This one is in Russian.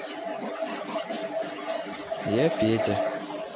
я петя